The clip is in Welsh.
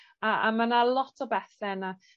A a ma' 'na lot o bethe yna